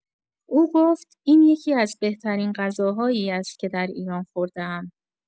او گفت: این یکی‌از بهترین غذاهایی است که در ایران خورده‌ام!